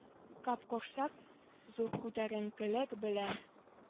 Капкорсак зур күтәренкелек белән